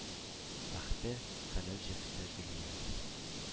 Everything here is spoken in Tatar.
Бәхете – хәләл җефете гөлия.